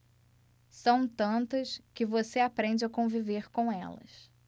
são tantas que você aprende a conviver com elas